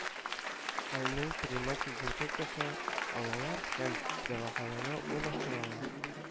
Аның пневматик винтовкасын алалар һәм дәваханәгә урнаштыралар